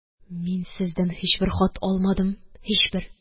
– мин сездән һичбер хат алмадым, һичбер!